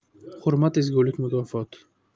hurmat ezgulik mukofoti